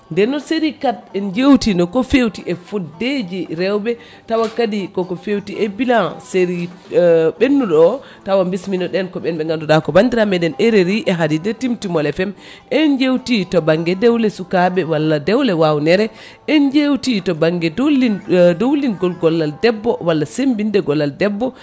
nden noon série 4 en jewtino ko fewti ko foddeji rewɓe tawa kadi koko fewti e bilan série ɓennuɗo o tawa bisminoɗen ko ɓen ɓe ganduɗa ko bandiraɓe meɗen RRI e haalirede Timtimol FM en jewti to banggue dewle sukaɓe walla dewle wawnere en jewti to banggue dowlin dowlingol gollal debbo walla sembinde gollal debbo